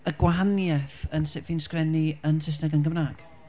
y gwahaniaeth yn sut fi'n sgwennu yn Saesneg a'n Gymraeg.